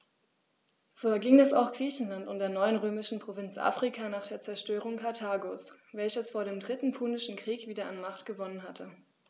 So erging es auch Griechenland und der neuen römischen Provinz Afrika nach der Zerstörung Karthagos, welches vor dem Dritten Punischen Krieg wieder an Macht gewonnen hatte.